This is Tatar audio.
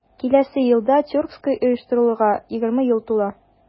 Киләсе елда Тюрксой оештырылуга 20 ел тула.